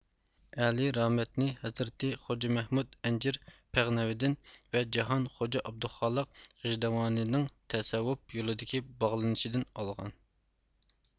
ئەلى رامەتنى ھەزرىتى خوجا مەھمۇت ئەنجىر پەغنەۋىدىن ۋە جاھان خوجا ئابدۇخالىق غىجدەۋانىنىڭ تەسەۋوپ يولىدىكى باغلىنىشدىن ئالغان